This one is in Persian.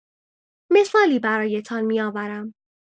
مثالی برایتان می‌آورم.